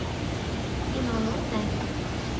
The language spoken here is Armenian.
Իմ անունն է…